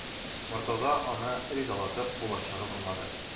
Мортаза аны ризалатып булачагын аңлады.